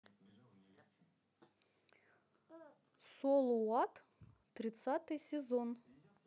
солуат тридцатый сезон